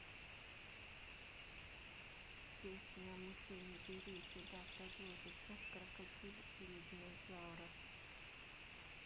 песня мути не бери сюда проглотит как крокодил или динозавров